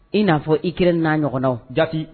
I n'a fɔ Ukraine n'a ɲɔgɔnnaw, jaati